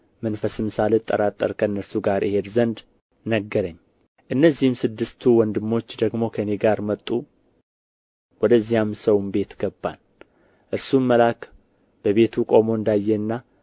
መንፈስም ሳልጠራጠር ከእነርሱ ጋር እሄድ ዘንድ ነገረኝ እነዚህም ስድስቱ ወንድሞች ደግሞ ከእኔ ጋር መጡ ወደዚያ ሰውም ቤት ገባን እርሱም መልአክ በቤቱ ቆሞ እንዳየና